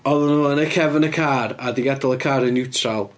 Oedden nhw yn y cefn y car, a 'di gadael y car yn niwtral.